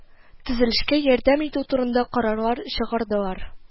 Төзелешкә ярдәм итү турында карарлар чыгардылар